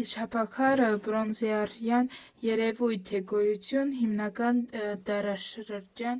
Վիշապաքարը բրոնզեդարյան երևույթ է (գոյության հիմնական դարաշրջանը